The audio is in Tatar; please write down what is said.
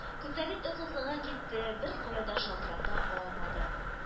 Көндәлек ыгы-зыгы китте, беркая да шылтырата алмады